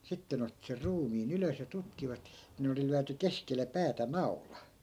sitten ne otti sen ruumiin ylös ja tutkivat niin oli lyöty keskelle päätä naula